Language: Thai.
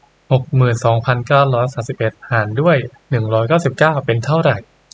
หกหมื่นสองพันเก้าสามสิบเอ็ดหารด้วยหนึ่งร้อยเก้าสิบเก้าเป็นเท่าไร